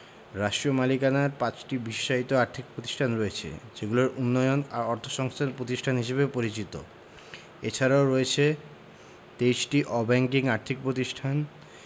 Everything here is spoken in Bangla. রাষ্ট্রীয় মালিকানার ৫টি বিশেষায়িত আর্থিক পতিষ্ঠান রয়েছে যেগুলো উন্নয়ন অর্থসংস্থান পতিষ্ঠান হিসেবে পরিচিত এছাড়াও রয়েছে ২৩টি অব্যাংকিং আর্থিক পতিষ্ঠান